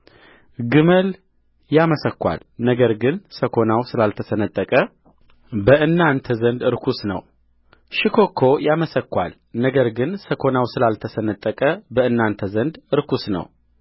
ግመል ያመሰኳል ነገር ግን ሰኮናው ስላልተሰነጠቀ በእናንተ ዘንድ ርኩስ ነውሽኮኮ ያመሰኳል ነገር ግን ሰኰናው ስላልተሰነጠቀ በእናንተ ዘንድ ርኩስ ነው